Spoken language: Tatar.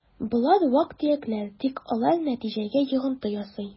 Болар вак-төякләр, тик алар нәтиҗәгә йогынты ясый: